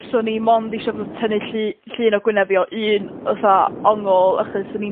'swn i mond isio fatha tynnu llu- llun o gwyneb fi o un fatha ongl achos o'n i'n